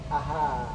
Hɔn